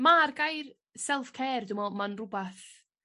Ma'r gair self care dwi me'wl ma'n rwbath